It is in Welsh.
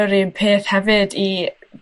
yr un peth hefyd i...